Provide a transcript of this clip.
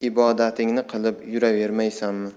ibodatingni qilib yuravermaysanmi